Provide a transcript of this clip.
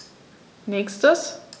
Nächstes.